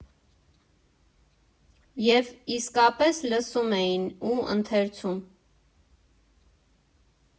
Եվ իսկապես լսում էին ու ընթերցում։